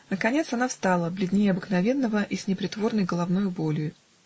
Наконец она встала, бледнее обыкновенного и с непритворной головною болью.